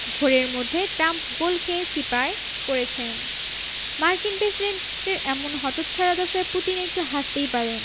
ঘোরের মধ্যে ট্রাম্প গোল খেয়ে চিপায় পড়েছেন মার্কিন প্রেসিডেন্টের এমন হতচ্ছাড়া দশায় পুতিন একটু হাসতেই পারেন